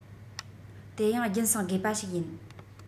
དེ ཡང རྒྱུན བསྲིང དགོས པ ཞིག ཡིན